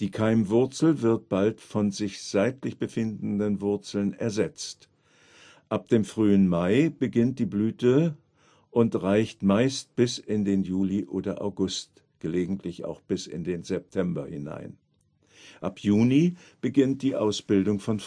Keimwurzel wird bald von sich seitlich befindenden Wurzeln ersetzt. Ab dem frühen Mai beginnt die Blüte und reicht meist bis in den Juli oder August, gelegentlich auch bis in den September hinein. Ab Juni beginnt die Ausbildung von